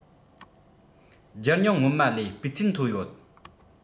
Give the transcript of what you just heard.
སྒྱུར མྱོང སྔོན མ ལས སྤུས ཚད མཐོ ཡོད